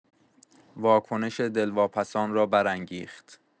واکنش دلواپسان را برانگیخت